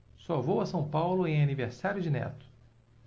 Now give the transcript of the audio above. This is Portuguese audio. só vou a são paulo em aniversário de neto